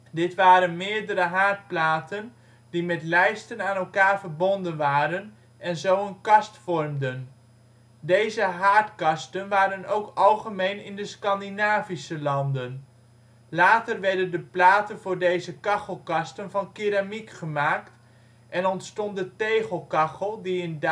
dit waren meerdere haardplaten die met lijsten aan elkaar verbonden waren en zo een kast vormden. Deze haardkasten waren ook algemeen in de Scandinavische landen. Later werden de platen voor deze kachelkasten van keramiek gemaakt en ontstond de tegelkachel die in Duitsland